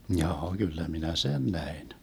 jaa kyllä minä sen näin